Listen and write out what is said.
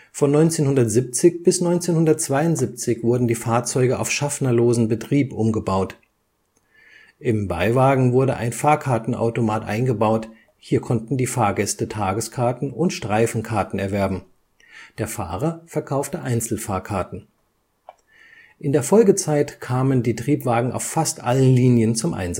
Von 1970 bis 1972 wurden die Fahrzeuge auf schaffnerlosen Betrieb umgebaut. Im Beiwagen wurde ein Fahrkartenautomat eingebaut, hier konnten die Fahrgäste Tageskarten und Streifenfahrkarten erwerben. Der Fahrer verkaufte Einzelfahrkarten. In der Folgezeit kamen die Triebwagen auf fast allen Linien zum Einsatz. Eine